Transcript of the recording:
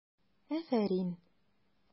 Афәрин!